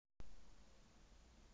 убери руку